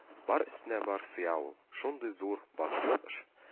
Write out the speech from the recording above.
Бар өстенә бар сыя ул. Шундый зур батырлык эш